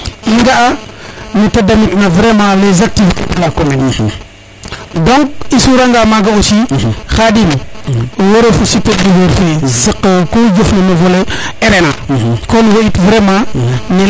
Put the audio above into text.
i nga a nete damit na vraiment les activtés de la commune donc i sura nga maga aussi Khadim wo ref superviseur fe saq no ku jofna no volet RNA kon wo it vraiment